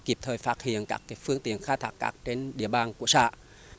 kịp thời phát hiện các phương tiện khai thác cát trên địa bàn của xã